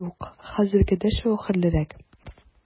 Юк, хәзергә дәшмәү хәерлерәк!